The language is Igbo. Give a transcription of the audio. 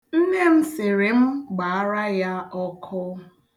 Nne m sịrị m gbaara ya ọkụ.